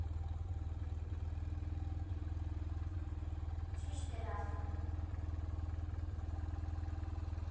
Ճիշտ էր ասում։